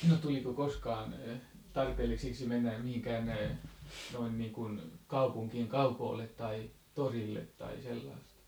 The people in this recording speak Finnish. no tuliko koskaan tarpeelliseksi mennä mihinkään noin niin kuin kaupunkiin kaupoille tai torille tai sellaista